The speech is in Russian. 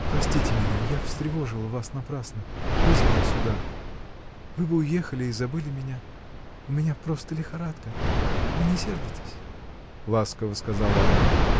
простите меня: я встревожила вас напрасно. вызвала сюда. Вы бы уехали и забыли меня. У меня просто лихорадка. Вы не сердитесь?. — ласково сказала она.